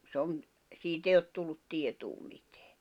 se on siitä ei ole tullut tietoa mitään